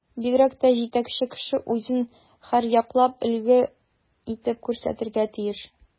Бигрәк тә җитәкче кеше үзен һәрьяклап өлге итеп күрсәтергә тиеш.